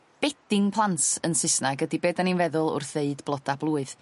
bedding plant yn Sysnag ydi be' 'dan ni'n feddwl wrth ddeud bloda blwydd.